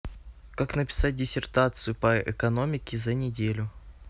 как написать диссертацию по экономике за неделю